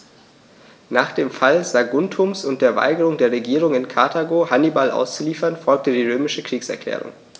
Nach dem Fall Saguntums und der Weigerung der Regierung in Karthago, Hannibal auszuliefern, folgte die römische Kriegserklärung.